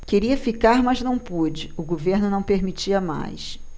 queria ficar mas não pude o governo não permitia mais